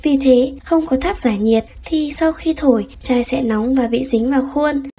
vì nếu không có tháp giải nhiệt thì sau khi thổi chai sẽ nóng và bị dính vào khuôn